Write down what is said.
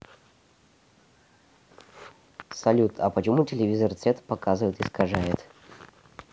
салют а почему телевизор цвет показывает искажает